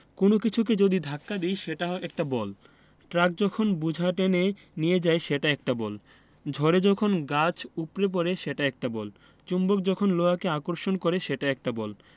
কোনো কিছুকে যদি ধাক্কা দিই সেটা একটা বল ট্রাক যখন বোঝা টেনে নিয়ে যায় সেটা একটা বল ঝড়ে যখন গাছ উপড়ে পড়ে সেটা একটা বল চুম্বক যখন লোহাকে আকর্ষণ করে সেটা একটা বল